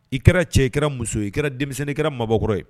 I kɛra cɛ i kɛra muso i kɛra denmisɛnnin kɛra mabɔkɔrɔ ye